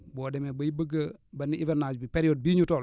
boo demee bay bëgg a ba ni hivernage bi période bii ñu toll